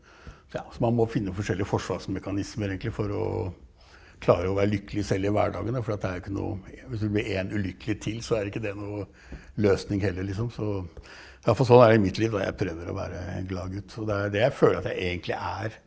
så ja så man må finne forskjellige forsvarsmekanismer egentlig for å klare å være lykkelig selv i hverdagen da, for det er ikke noe hvis du blir én ulykkelig til så er ikke det noen løsning heller liksom, så i hvert fall sånn er det i mitt liv da, jeg prøver å være glad gutt og det er det jeg føler at jeg egentlig er.